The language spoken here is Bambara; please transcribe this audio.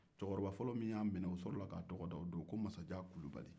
a ye cɛkɔrɔba fɔlɔ min minɛ o sɔrɔla k'a tɔgɔ da o don ko masajan kulubali